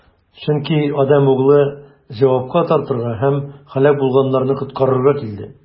Чөнки Адәм Углы җавапка тартырга һәм һәлак булганнарны коткарырга килде.